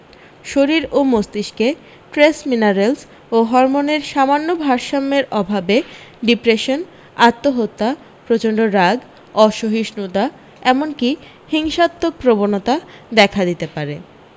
শরীর ও মস্তিষ্কে ট্রেস মিনারেলস ও হরমোনের সামান্য ভারসাম্যের অভাবে ডিপ্রেশন আত্মহত্যা প্রচণ্ড রাগ অসহিষ্ণুতা এমনকি হিংসাত্মক প্রবণতা দেখা দিতে পারে